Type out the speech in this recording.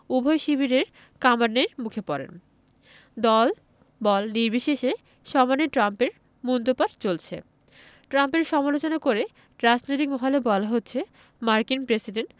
উভয় শিবিরের কামানের মুখে পড়েন দলবল নির্বিশেষে সমানে ট্রাম্পের মুণ্ডুপাত চলছে ট্রাম্পের সমালোচনা করে রাজনৈতিক মহলে বলা হচ্ছে